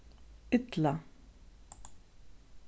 illa